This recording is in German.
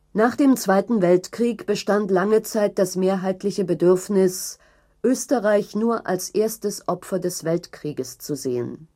Nach dem Zweiten Weltkrieg bestand lange Zeit das mehrheitliche Bedürfnis, „ Österreich nur als erstes Opfer des Weltkrieges zu sehen